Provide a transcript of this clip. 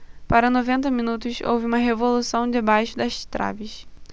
para noventa minutos houve uma revolução debaixo das traves